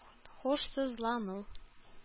Һушсызлану